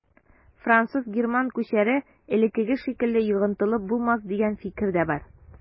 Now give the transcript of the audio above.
Француз-герман күчәре элеккеге шикелле йогынтылы булмас дигән фикер дә бар.